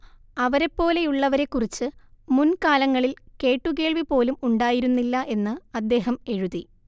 അവരെപ്പോലെയുള്ളവരെക്കുറിച്ച് മുൻകാലങ്ങളിൽ കേട്ടുകേൾവി പോലും ഉണ്ടായിരുന്നില്ല എന്ന് അദ്ദേഹം എഴുതി